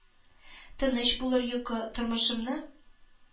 «тыныч булыр йокы, тормышымны